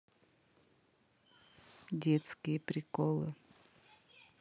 детские приколы